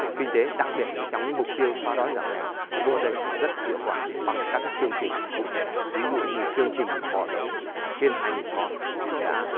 kinh tế đặc biệt là trong những mục tiêu xóa đói giảm nghèo của tỉnh rất hiệu quả bằng các cái chương trình cụ thể ví dụ như chương trình bò giống là trên hai nghìn con đã